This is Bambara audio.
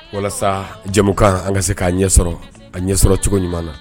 Walasa jamukan an ka se k'a ɲɛ sɔrɔ a ɲɛ sɔrɔ cogo ɲuman na